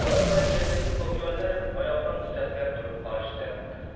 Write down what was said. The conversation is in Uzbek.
bora bora kelgindi ko'kyollar oyoqqa mustahkam turib olishdi